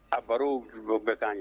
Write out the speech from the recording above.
A barow du dɔ bɛ kan ye